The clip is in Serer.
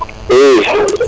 i